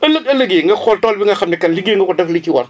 ëllëg ëllëgee nga xool tool bi nga xam ni kat liggéey nga ko def li ci war